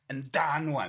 yn dân ŵan.